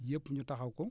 yëpp ñu taxaw ko